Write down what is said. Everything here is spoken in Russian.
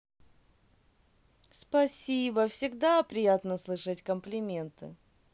спасибо всегда приятно слышать комплименты